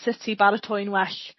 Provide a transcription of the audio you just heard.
sut i baratoi'n well?